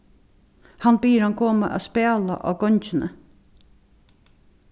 hann biður hann koma at spæla á gongini